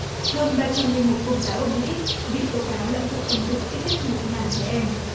hơn ba trăm linh mục công giáo ở mỹ bị tố cáo lạm dụng tình dục ít nhất một ngàn trẻ em